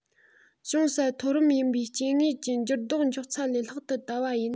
ཅུང ཟད མཐོ རིམ ཡིན པའི སྐྱེ དངོས ཀྱི འགྱུར ལྡོག མགྱོགས ཚད ལས ལྷག ཏུ དལ བ ཡིན